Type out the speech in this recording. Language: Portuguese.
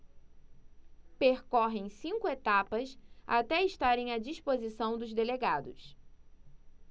percorrem cinco etapas até estarem à disposição dos delegados